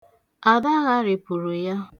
Ada gharịpụrụ ya.